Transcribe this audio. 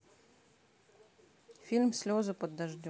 фильм слезы под дождем